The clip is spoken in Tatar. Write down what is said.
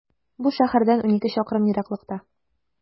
Бу шәһәрдән унике чакрым ераклыкта.